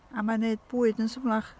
A mae'n wneud bwyd yn symlach.